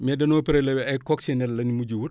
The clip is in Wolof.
mais danoo prélevé ay coccinelles la ñu mujj a wut